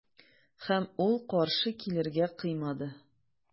Һәм ул каршы килергә кыймады.